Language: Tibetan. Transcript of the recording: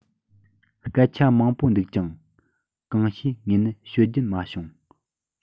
སྐད ཆ མང པོ འདུག ཀྱང གང བྱས ངས ནི ཤོད རྒྱུ མ བྱུང